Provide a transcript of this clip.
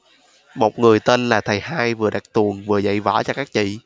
một người tên là thầy hai vừa đặt tuồng vừa dạy võ cho các chị